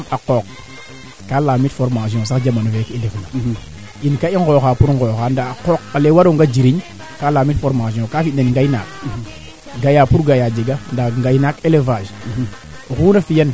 parce que o ndeeta nga parcelle neeke ɗakoo ɗa jega ax ax le ando naye a jmba no ndak o ndeeta ngaaye o xeeke jooro a jega axo le ando naye ten jambu maaga ndaa o xota nga koy we ando naye joor fee moƴ mbaagit mbisin maana ndaq la